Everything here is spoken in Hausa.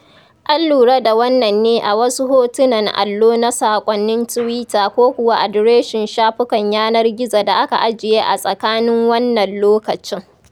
An lura da wannan ne a wasu hotunan allo na saƙonnin tuwita ko kuwa adireshin shafukan yanar gizo da aka ajiye a tsakanin wannan lokacin.